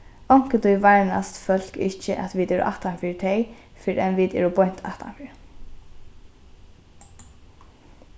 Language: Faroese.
onkuntíð varnast fólk ikki at vit eru aftanfyri tey fyrr enn vit eru beint aftanfyri